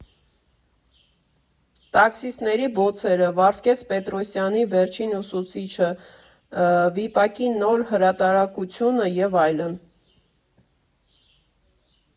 Տաքսիստների բոցերը, Վարդգես Պետրոսյանի «Վերջին ուսուցիչը» վիպակի նոր հրատարակությունը և այլն։